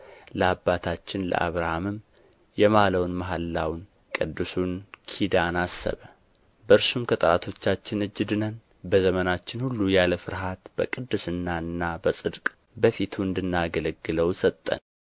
ለአባታችን ለአብርሃምም የማለውን መሐላውን ቅዱሱን ኪዳን አሰበ በእርሱም ከጠላቶቻችን እጅ ድነን በዘመናችን ሁሉ ያለ ፍርሃት በቅድስናና በጽድቅ በፊቱ እንድናገለግለው ሰጠን